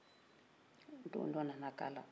don dɔ nana kala